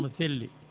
omo selli